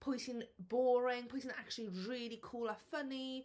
pwy sy'n boring, pwy sy'n acshyli rili cŵl a ffyni.